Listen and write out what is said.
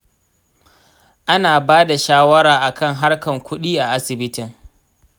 ana bada shawara akan harkan kuɗi a asibitin.